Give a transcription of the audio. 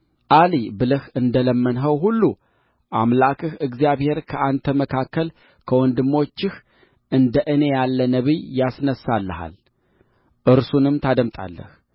አልይ ብለህ እንደ ለመንኸው ሁሉ አምላክህ እግዚአብሔር ከአንተ መካከል ከወንድሞችህ እንደ እኔ ያለ ነቢይ ያስነሣልሃል እርሱንም ታደምጣለህ